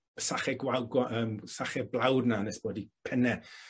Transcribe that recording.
sache gwal- gwa- yym sache blawd 'na nes bod 'u penne